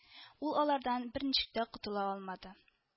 Ул алардан берничек тә котыла алмады